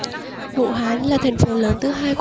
vũ hán là thành phố lớn thứ hai